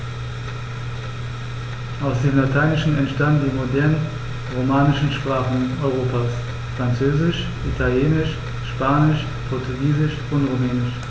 Aus dem Lateinischen entstanden die modernen „romanischen“ Sprachen Europas: Französisch, Italienisch, Spanisch, Portugiesisch und Rumänisch.